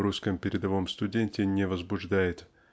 в русском передовом студенте не возбуждает.